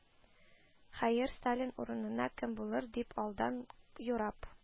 Хәер, Сталин урынына кем булыр, дип, алдан юрап